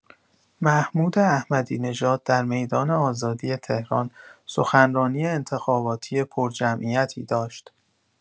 محمود احمدی‌نژاد در میدان آزادی تهران سخنرانی انتخاباتی پرجمعیتی داشت.